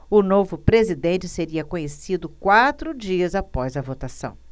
o novo presidente seria conhecido quatro dias após a votação